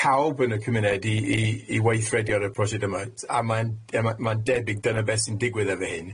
pawb yn y cymuned i i i weithredu ar y prosiect yma a mae'n a ma'n debyg dyna beth sy'n digwydd efo hyn.